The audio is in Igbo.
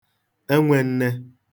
enwēn̄nē